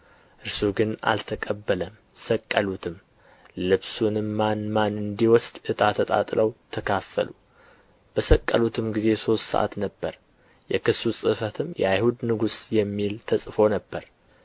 እርሱ ግን አልተቀበለም ሰቀሉትም ልብሱንም ማን ማን እንዲወስድ ዕጣ ተጣጥለው ተካፈሉ በሰቀሉትም ጊዜ ሦስት ሰዓት ነበረ የክሱ ጽሕፈትም የአይሁድ ንጉሥ የሚል ተጽፎ ነበር